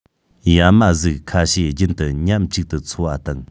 ཡ མ གཟུགས ཁ ཤས རྒྱུན དུ མཉམ གཅིག ཏུ འཚོ བ དང